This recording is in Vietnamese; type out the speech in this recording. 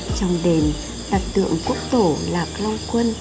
trong đền đặt tượng quốc tổ lạc long quân